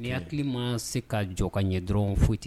Ni hakili ma se ka jɔ ka ɲɛ dɔrɔn foyi te